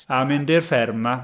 A mynd i'r fferm 'ma.